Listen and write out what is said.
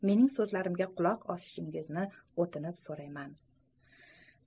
mening so'zlarimga quloq osishingizni o'tinib so'rayman